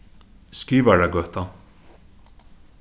skrivaragøta